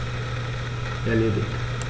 Erledigt.